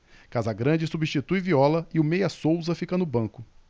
casagrande substitui viola e o meia souza fica no banco